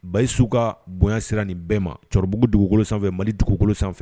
Basiyisiw ka bonya sira nin bɛɛ ma cɛkɔrɔbabugu dugukolo sanfɛ mali dugukolo sanfɛ